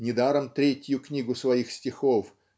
Недаром третью книгу своих стихов